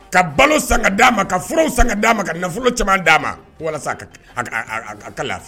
Ka balo san d'a ma ka san ka d'a ma ka nafolo caman d'a ma walasa ka lafi